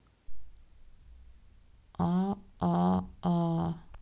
а а а